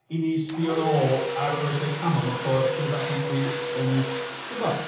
I ni sbïo nôl ar yr Oesau Canol mewn ffordd sy bach yn fwy, yym dwi'm 'bo..